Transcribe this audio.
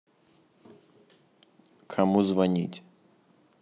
кому звонить